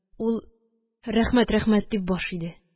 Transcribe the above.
Ул: «Рәхмәт, рәхмәт!» – дип баш иде.